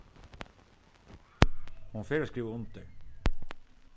hon fer at skriva undir